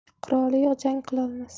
quroli yo'q jang qilmas